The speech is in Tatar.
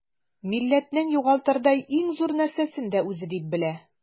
Милләтнең югалтырдай иң зур нәрсәсен дә үзе дип белә.